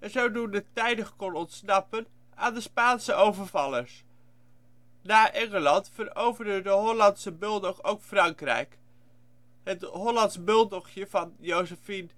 zodoende tijdig kon ontsnappen aan de Spaanse overvallers. Na Engeland veroverde de Hollandsche Bulldog ook Frankrijk. Het Hollandsch Bulldogje van Joséphine